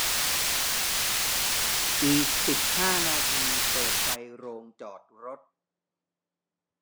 อีกสิบห้านาทีเปิดไฟโรงจอดรถ